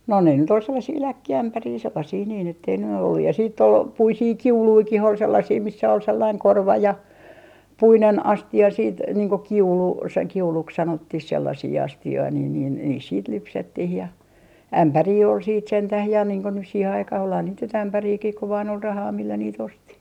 no ne nyt oli sellaisia läkkiämpäreitä sellaisia niin että ei nyt ollut ja siitä oli puisia kiulujakin oli sellaisia missä oli sellainen korva ja puinen astia sitten niin kuin kiulu se kiuluksi sanottiin sellaisia astioita niin niin niissä sitten lypsettiin ja ämpäreitä oli sitten sentään ja niin kuin nyt siihen aikaan olihan niitä nyt ämpäreitäkin kun vain oli rahaa millä niitä osti